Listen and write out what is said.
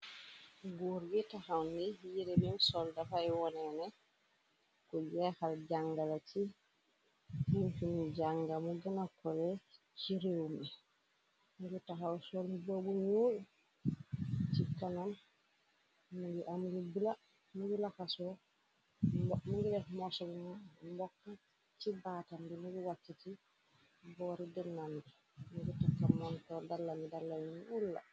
Góur gi taxaw ni yire bin sol dafay wone ne ku jeexal jàngala ci funfin jàngamu gëna kole ci réew mi nilu taxaw son boobu ñuul ci kanan i amnigu laxaso ma ngi leef mosobu mbokk ci baatam bi nu wàcc ci boori dënanbi nigu takka monto dalami dalañun ulla.